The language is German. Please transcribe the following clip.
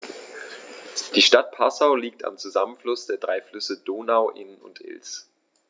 Die Stadt Passau liegt am Zusammenfluss der drei Flüsse Donau, Inn und Ilz.